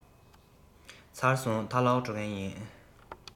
ཚར སོང ད ལོག འགྲོ མཁན ཡིན